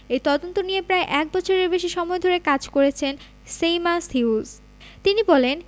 ই তদন্ত নিয়ে প্রায় এক বছরের বেশি সময় ধরে কাজ করেছেন সেইমাস হিউজ তিনি বলেন